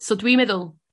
So dwi'n meddwl